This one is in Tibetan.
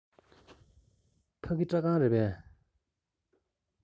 ཕ གི སྐྲ ཁང རེད པས